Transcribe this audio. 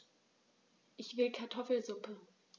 Ich will Kartoffelsuppe.